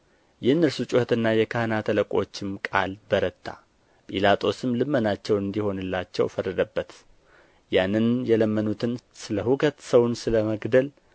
የእነርሱ ጩኸትና የካህናት አለቆችም ቃል በረታ ጲላጦስም ልመናቸው እንዲሆንላቸው ፈረደበት ያንን የለመኑትንም ስለ ሁከት ሰውንም ስለ መግደል